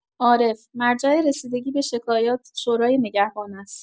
عارف: مرجع رسیدگی به شکایات، شورای نگهبان است!